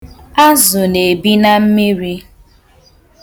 Azụ na-ebi na mmiri.